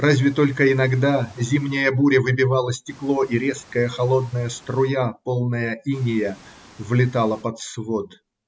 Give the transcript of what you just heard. разве только иногда зимняя буря выбивала стекло, и резкая, холодная струя, полная инея, влетала под свод.